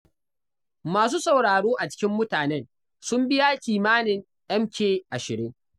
Masu sauraro a cikin mutanen sun biya kimanin MK 20.